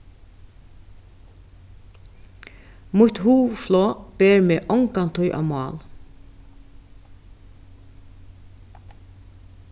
mítt hugflog ber meg ongantíð á mál